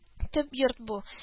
Төп йорт бу